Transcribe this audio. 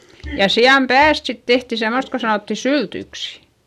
ja sian päästä sitten tehtiin semmoista kun sanottiin syltyksi